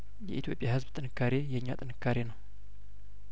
የኢትዮጵያ ህዝብ ጥንካሬ የእኛ ጥንካሬ ነው